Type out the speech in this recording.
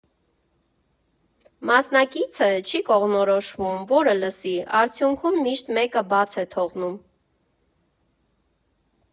Մասնակիցը չի կողմնորոշվում՝ որը լսի, արդյունքում միշտ մեկը բաց է թողնում։